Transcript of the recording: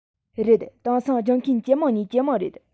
རེད དེང སང སྦྱོང མཁན ཇེ མང ནས ཇེ མང རེད